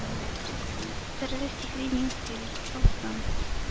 Серле-сихри мизгел... Тылсым...